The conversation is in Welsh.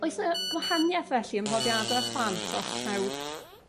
oes 'na gwahaniaeth felly ym mhrofiada' plant os taw